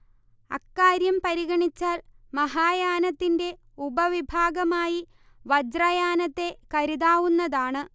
അക്കാര്യം പരിഗണിച്ചാൽ മഹായാനത്തിന്റെ ഉപവിഭാഗമായി വജ്രയാനത്തെ കരുതാവുന്നതാണ്